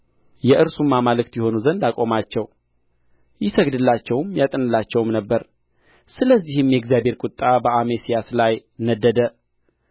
የእርሱም አማልክት ይሆኑ ዘንድ አቆማቸው ይሰግድላቸውም ያጥንላቸውም ነበር ስለዚህም የእግዚአብሔር ቍጣ በአሜስያስ ላይ ነደደና